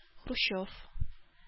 Хрущев